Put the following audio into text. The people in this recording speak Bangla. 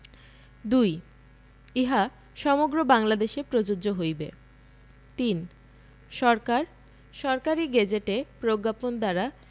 ২ ইহা সমগ্র বাংলাদেশে প্রযোজ্য হইবে ৩ সরকার সরকারী গেজেটে প্রজ্ঞাপন দ্বারা